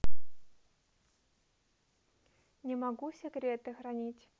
не могу секреты хранить